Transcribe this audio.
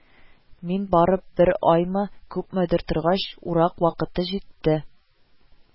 Мин барып бер аймы күпмедер торгач урак вакыты җитте